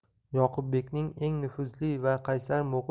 yoqubbekning eng nufuzli va qaysar